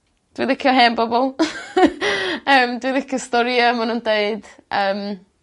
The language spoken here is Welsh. Dwi'n licio hen bobol yym dwi'n licio storie ma nw'n deud yym